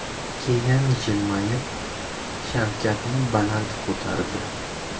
keyin jilmayib shavkatni baland ko'tardi